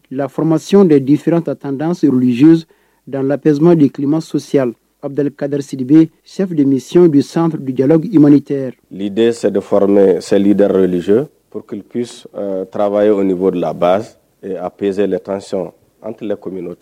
Lakfamasiy de difi ta tandte z dan lapzoma de kilimasosiya abud kadrisidibe sɛfi demisiyɛn don sanja imanite d sɛ defarɛ selilidaralizo purpp tarawelerababaa ye de bɔ de laban a p peereze la tanc an tile co'o tɛ